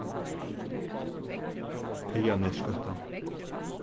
heyganesgøta